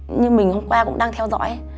như mình hôm qua cũng đang theo dõi